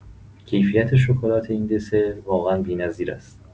کیفیت شکلات این دسر واقعا بی‌نظیر است.